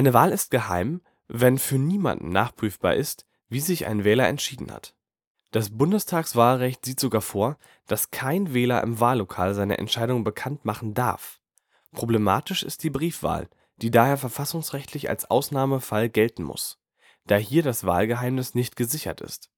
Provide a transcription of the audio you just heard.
Wahl ist geheim, wenn für niemanden nachprüfbar ist, wie sich ein Wähler entschieden hat. Das Bundestagswahlrecht sieht sogar vor, dass kein Wähler im Wahllokal seine Entscheidung bekannt machen darf. Problematisch ist die Briefwahl, die daher verfassungsrechtlich als Ausnahmefall gelten muss, da hier das Wahlgeheimnis nicht gesichert ist